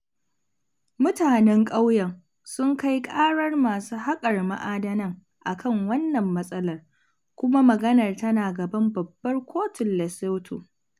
Mutanen ƙauyen sun kai ƙarar masu haƙar ma'adanan a kan wannan matsalar, kuma maganar tana gaban Babbar Kotun Lesotho.